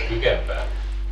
kykän päällä